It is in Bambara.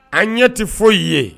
An ɲɛ tɛ foyi i ye